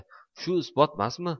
shu isbotmasmi